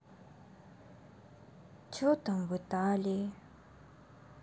че там в италии